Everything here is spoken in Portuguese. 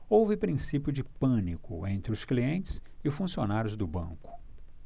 houve princípio de pânico entre os clientes e funcionários do banco